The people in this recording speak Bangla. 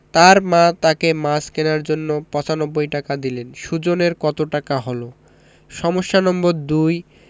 তাকে মাছ কেনার জন্য ৯৫ টাকা দিলেন সুজনের কত টাকা হলো সমস্যা নম্বর ২